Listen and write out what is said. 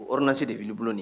Orunasi de bɛ boloi